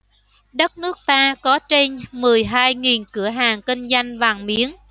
đất nước ta có trên mười hai nghìn cửa hàng kinh doanh vàng miếng